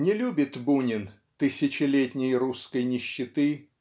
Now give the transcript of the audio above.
Не любит Бунин "тысячелетней русской нищеты"